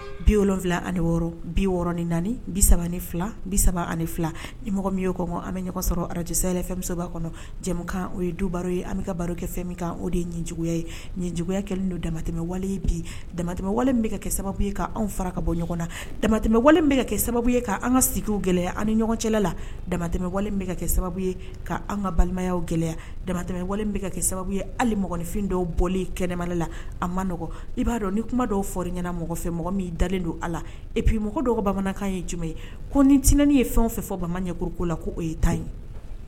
Bi wolonwula ani wɔɔrɔ bi wɔɔrɔɔrɔn ni naani bi ni fila bi saba ani fila nimɔgɔ y' kɔ an bɛ ɲɔgɔn sɔrɔ arajjɛsa yɛrɛ fɛnba kɔnɔ jamukan o ye du baro ye an bɛ ka baro kɛ fɛn min kan o de ye ɲɛjuguya ye ninjuguya kɛlen don damatɛmɛ wale bi damamɛ wale bɛ kɛ sababu ye' fara ka bɔ ɲɔgɔn na damatɛmɛ wale bɛ kɛ sababu ye'an ka sigi gɛlɛya an ni ɲɔgɔn cɛla la damatɛmɛ wale bɛ kɛ sababu ye ka'an ka balimayaw gɛlɛya damamɛ wale bɛ kɛ sababu ye ani mɔgɔninfin dɔw bɔlen kɛnɛma la a ma nɔgɔ i b'a dɔn ni kuma dɔw fɔɔri ɲɛnaɲɛna mɔgɔ fɛ mɔgɔ mini dalen don a la eppimɔgɔ dɔgɔ bamanankan ye jumɛn ye ko nitinin ye fɛn o fɛ fɔ bamakɔ ɲɛ ko ko la ko o ye ta ɲi